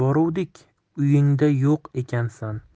boruvdik uyingda yo'q ekansan